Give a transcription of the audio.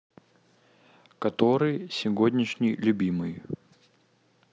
который сегодняшний любимый